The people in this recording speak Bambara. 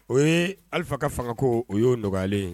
O ye Alifa ka fanga ko o y'o nɔgɔyalen ye